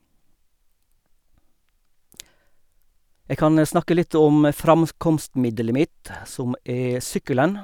Jeg kan snakke litt om framkomstmiddelet mitt, som er sykkelen.